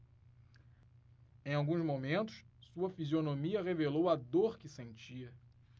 em alguns momentos sua fisionomia revelou a dor que sentia